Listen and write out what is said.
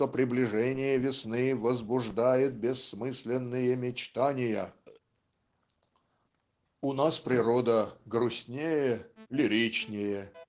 что приближение весны возбуждает бессмысленные мечтания". "У наг природа грустнее лиричнее